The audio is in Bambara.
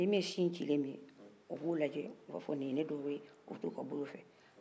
min sin cilen don o b'u lajɛ o b'a fo ni ye ne doye o bɛ t'o ka bolo fɛ